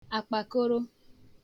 àkpàkoro